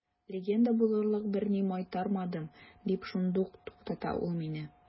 Легенда булырлык берни майтармадым, – дип шундук туктата ул мине.